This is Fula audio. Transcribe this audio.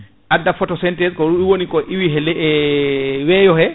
adda photosynthése ko woni ko iwi le e weyohe he